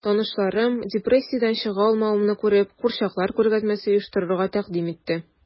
Танышларым, депрессиядән чыга алмавымны күреп, курчаклар күргәзмәсе оештырырга тәкъдим итте...